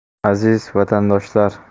aziz vatandoshlar